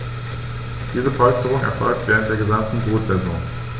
Diese Polsterung erfolgt während der gesamten Brutsaison.